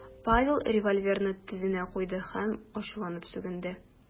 Павел револьверны тезенә куйды һәм ачуланып сүгенде .